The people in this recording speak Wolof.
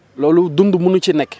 loolu dund munu ci nekk